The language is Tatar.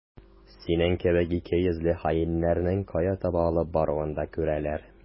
Синең кебек икейөзле хаиннәрнең кая таба алып баруын да күрәләр.